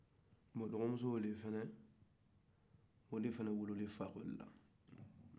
o dɔgɔmuso de fɛnɛ ye fakoli wolo